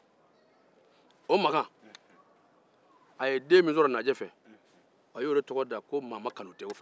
makan ye den min sɔrɔ naaje fɛ a y'o tɔgɔ da ko maama kanutɛ